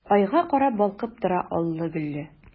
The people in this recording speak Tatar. Айга карап балкып тора аллы-гөлле!